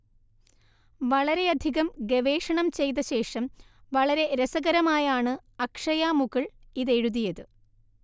വളരെയധികം ഗവേഷണം ചെയ്തശേഷം, വളരെ രസകരമായാണ് അക്ഷയ മുകുൾ ഇതെഴുതിയത്